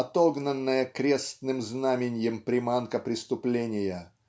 отогнанная крестным знаменьем приманка преступления